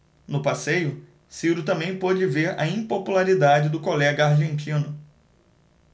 no passeio ciro também pôde ver a impopularidade do colega argentino